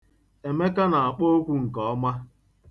Emeka na-akpọ okwu nke ọma.